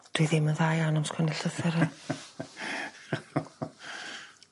Dwi ddim yn dda iawn am sgwennu llythyra.